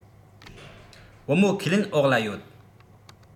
བུ མོ ཁས ལེན འོག ལ ཡོད